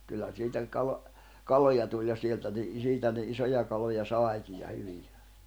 kyllä siitä - kaloja tuli ja sieltä - siitä ne isoja kaloja saikin ja hyviä